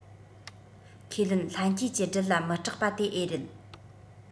ཁས ལེན ལྷན སྐྱེས ཀྱི སྦྲུལ ལ མི སྐྲག པ དེ ཨེ རེད